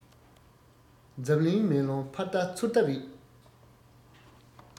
འཛམ གླིང མེ ལོང ཕར བལྟ ཚུར བལྟ རེད